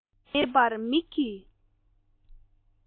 བརྩེ དུང མེད པར མིག གིས